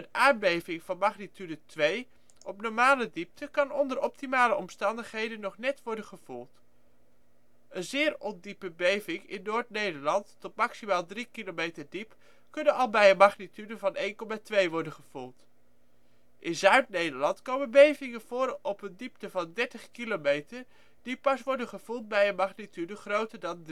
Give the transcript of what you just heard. aardbeving van magnitude 2 op normale diepte kan onder optimale omstandigheden nog net worden gevoeld. De zeer ondiepe bevingen in Noord-Nederland (tot maximaal 3 kilometer diep) kunnen al bij een magnitude van 1,2 worden gevoeld. In Zuid-Nederland komen bevingen voor op een diepte van 30 kilometer die pas worden gevoeld bij een magnitude groter dan